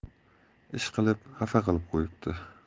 ishqilib xafa qilib qo'yibdi